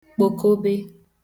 kpòkobe